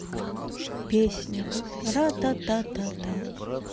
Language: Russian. песня ратататата